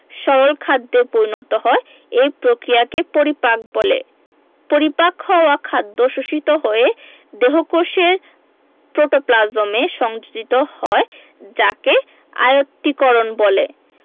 সরল খাদ্যে পরিণত হয় এই প্রক্রিয়াকে পরিপাক বলে পরিপাক হওয়া খাদ্য শোষিত হয়ে দেহকোষের প্রোটোপ্লাজমে সংযোজিত হয় যাকে আয়ত্তীকরণ বলে